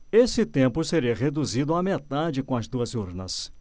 esse tempo seria reduzido à metade com as duas urnas